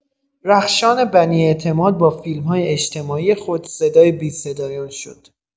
رخشان بنی‌اعتماد با فیلم‌های اجتماعی خود صدای بی‌صدایان شد.